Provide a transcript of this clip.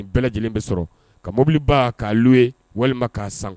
Bɛɛ lajɛlen bɛ sɔrɔ ka mɔbiliba k'alu ye walima k'a san